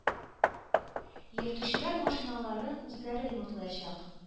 Йөртүчеләр машиналарын үзләре ремонтлаячак.